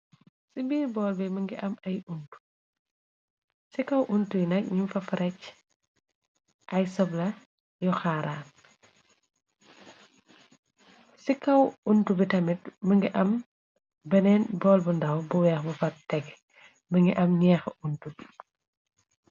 Si biir bool bi mingi am ay untu, ci kaw untu yi nak ñum fa frecc ay sëbla yu xaaran, ci kaw untu bi tamit më ngi am beneen bool bu ndaw bu weex, bu fat teg mi ngi am gñeex untu bi.